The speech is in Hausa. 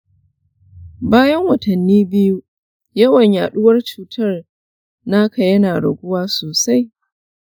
bayan watanni biyu yawan yaɗuwar cutar naka yana raguwa sosai.